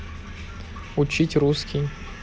учить русский